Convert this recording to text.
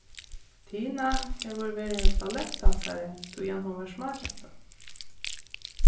tina hevur verið ballettdansari síðan hon var smágenta